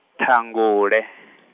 ṱhangule.